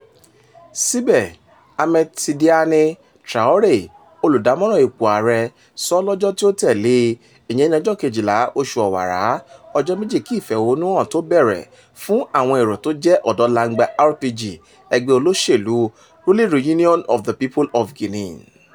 Síbẹ̀, Ahmed Tidiane Traoré, olùdámọ̀ràn ipò ààrẹ, sọ lọ́jọ́ tí ó tẹ̀lé e, ìyẹn ní ọjọ́ 12 oṣù Ọ̀wàrà, — ọjọ́ méjì kí ìfẹ̀hònúhàn ó tó bẹ̀rẹ̀, — fún àwọn èrò tó jẹ́ ọ̀dọ́ langba RPG ẹgbẹ́ olóṣèlúu [ruling Reunion of the People of Guinea]: